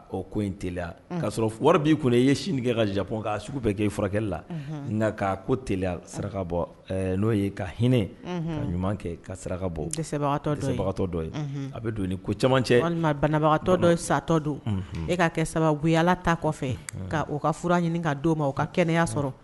Ko t' sɔrɔ wari'i i ye sini kɛ ka ja sugu bɛɛ' furakɛli la nka ko tya saraka bɔ n'o ye ka hinɛ ka ɲuman kɛ ka saraka bɔ tɛ sebagatɔ dɔ a bɛ don ni ko caman cɛ walima banabagatɔ dɔ satɔ don e'a kɛ sababuyala ta kɔfɛ ka ka fura ɲini' don ma o ka kɛnɛyaya sɔrɔ